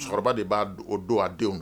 Musokɔrɔba de b'a o don a denw na